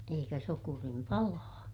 eikä sokerin palaa